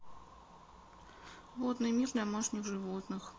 водный мир домашних животных